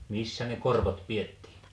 missä ne korvot pidettiin